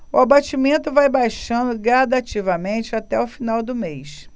o abatimento vai baixando gradativamente até o final do mês